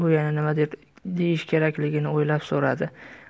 u yana nimadir deyish kerakligini o'ylab so'radi